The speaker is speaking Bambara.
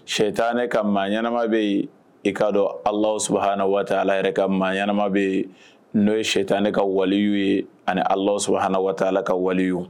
Sɛ tan ne ka maa ɲɛnaanama bɛ yen i kaa dɔn ala su haana waa ala yɛrɛ ka maa ɲɛnaanama bɛ yen n'o ye sɛ tan ne ka waliw ye ani ala sɔrɔ haana waa ka walew